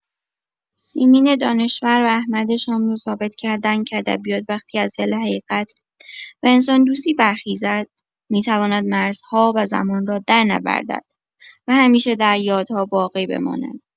سیمین دانشور و احمد شاملو ثابت کردند که ادبیات وقتی از دل حقیقت و انسان‌دوستی برخیزد می‌تواند مرزها و زمان را درنوردد و همیشه در یادها باقی بماند.